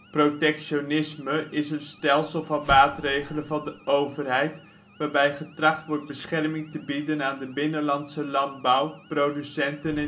Protectionisme is een stelsel van maatregelen van de overheid waarbij getracht wordt bescherming te bieden aan binnenlandse landbouw, producenten